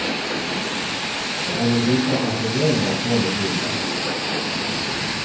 eg vil vita hvat tú veruliga følir fyri mær